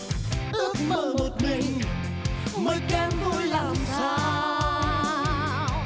ước mơ một mình mới kém vui làm sao